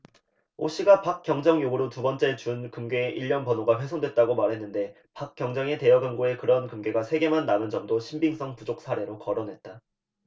오씨가 박 경정 요구로 두번째 준 금괴의 일련번호가 훼손됐다고 말했는데 박 경정의 대여금고에 그런 금괴가 세 개만 남은 점도 신빙성 부족 사례로 거론했다